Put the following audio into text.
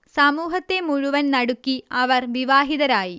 സമൂഹത്തെ മുഴുവൻ നടുക്കി അവർ വിവാഹിതരായി